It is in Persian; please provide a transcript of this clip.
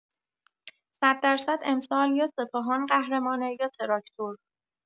صددرصد امسال یا سپاهان قهرمانه یا تراکتور.